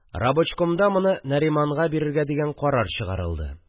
Рабочкомда моны Нариманга бирергә дигән карар чыгарылды